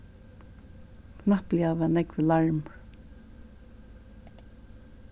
knappliga var nógvur larmur